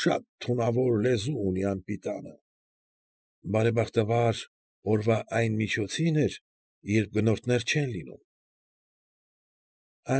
Շատ թունավոր լեզու ունի անպիտանը։ Բարեբախտաբար, օրվա այն միջոցին էր, երբ գնորդներ չեն լինում։